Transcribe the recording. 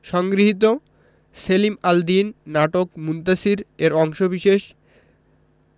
সংগৃহীত সেলিম আল দীন নাটক মুনতাসীর এর অংশবিশেষ